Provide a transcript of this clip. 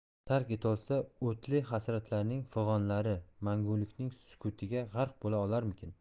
tark etolsa o'tli hasratlarning fig'onlari mangulikning sukutiga g'arq bo'la olarmikin